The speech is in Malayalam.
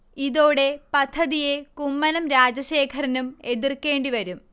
ഇതോടെ പദ്ധതിയെ കുമ്മനം രാജശേഖരനും എതിർക്കേണ്ടി വരും